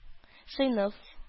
Сыйныф